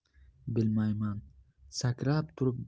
bilmayman sakrab turib